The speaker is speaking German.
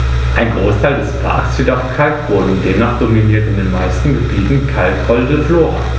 Ein Großteil des Parks steht auf Kalkboden, demnach dominiert in den meisten Gebieten kalkholde Flora.